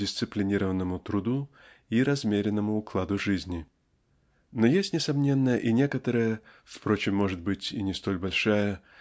дисциплинированному труду и размеренному укладу жизни. Но есть несомненно и некоторая впрочем может быть и не столь большая